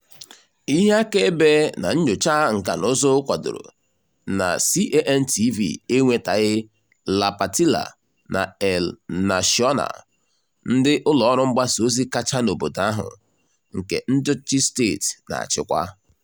Ihe akaebe na nnyocha nkànaụzụ kwadoro na CANTV enwetaghị La Patilla na El Nacional, ndị ụlọọrụ mgbasaozi kacha n'obodo ahụ, nke ndị ọchịchị steeti na-achịkwa.